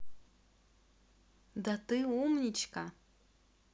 да ты умничка